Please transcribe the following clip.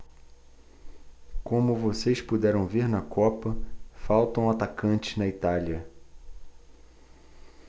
como vocês puderam ver na copa faltam atacantes na itália